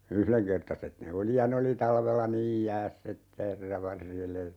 yhdenkertaiset ne oli ja ne oli talvella niin jäässä että herra varjele